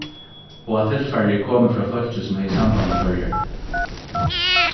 og at tilfarið er komið frá fólki sum hevði samband við føroyar